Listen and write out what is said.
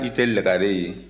i tɛ lagare ye